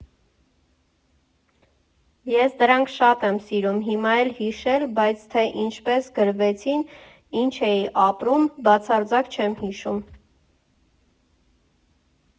Ես դրանք շատ եմ սիրում հիմա էլ հիշել, բայց թե ինչպես գրվեցին, ինչ էի ապրում, բացարձակ չեմ հիշում։